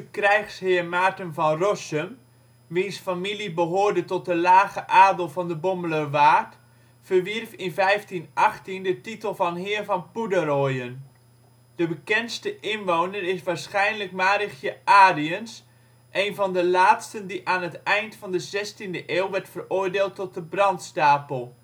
krijgsheer Maarten van Rossum, wiens familie behoorde tot de lage adel van de Bommelerwaard, verwierf in 1518 de titel van heer van Poederoijen. De bekendste inwoner is waarschijnlijk Marigje Arriens, een van de laatsten die aan het eind van de 16e eeuw werd veroordeeld tot de brandstapel